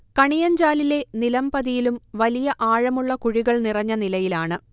കണിയഞ്ചാലിലെ നിലംപതിയിലും വലിയ ആഴമുള്ള കുഴികൾ നിറഞ്ഞനിലയിലാണ്